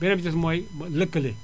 beneen bi ci des mooy mooy lëkkale